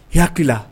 Ha hakilikila